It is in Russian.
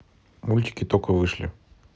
мультики только вышли